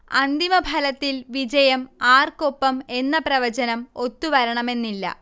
അന്തിമഫലത്തിൽ വിജയം ആർക്കൊപ്പം എന്ന പ്രവചനം ഒത്തുവരണമെന്നില്ല